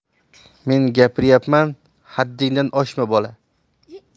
men gapiryapman haddingdan oshma bola